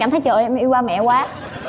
như trời ơi em yêu ba mẹ quá